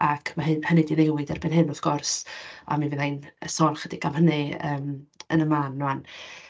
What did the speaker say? Ac ma' hyn- hynny 'di newid erbyn hyn, wrth gwrs, a mi fydda i'n sôn chydig am hynny yn yn y man rŵan.